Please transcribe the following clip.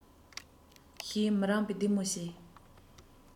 ཞེས མི རངས པའི སྡིགས མོ བྱས